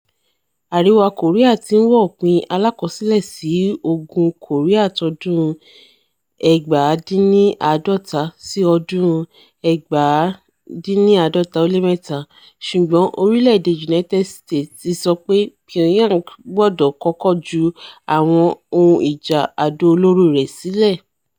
Àríwá Kòríà ti ńwá òpin alákọsílẹ̀ kan sí Ogun Kòríà tọdún 1950-53, ṣùgbọn orílẹ̀-èdè United Ststes ti sọ pé Pyongyang gbọ́dọ̀ kọ́kọ́ ju àwọn ohun ìjà àdó olóró rẹ̀ sílẹ̀.